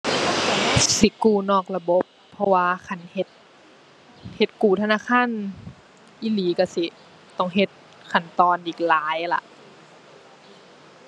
สิกู้นอกระบบ เพราะว่าคันเฮ็ด เฮ็ดกู้ธนาคารอีหลีก็สิต้องเฮ็ดขั้นตอนอีกหลายล่ะ